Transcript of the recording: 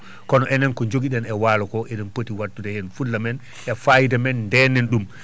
kono enen ko joguiɗen e walo ko eɗen pooti wattu deheen fulla men e fayida men ndenen ɗum